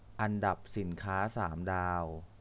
อันดับสินค้าสามดาว